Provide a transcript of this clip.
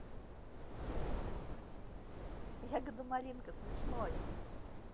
ягода малинка смешной